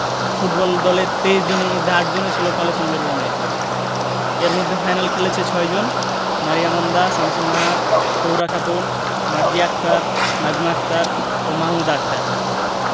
football দলের ২৩ জনের মধ্যে ৮ জনই ছিল কলসিন্দুরের মেয়ে এর মধ্যে ফাইনালে খেলেছে ৬ জন মারিয়া মান্দা শামসুন্নাহার তহুরা খাতুন মার্জিয়া আক্তার নাজমা আক্তার ও মাহমুদা আক্তার